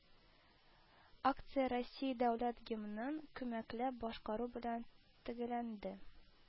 Акция Россия Дәүләт гимнын күмәкләп башкару белән төгәлләнде